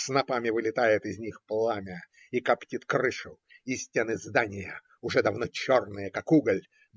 Снопами вылетает из них пламя и коптит крышу и стены здания, уже давно черные, как уголь.